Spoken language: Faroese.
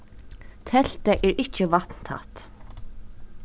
teltið er ikki vatntætt